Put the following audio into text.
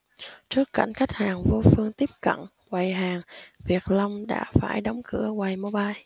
trước cảnh khách hàng vô phương tiếp cận quầy hàng việt long đã phải đóng cửa quầy mobile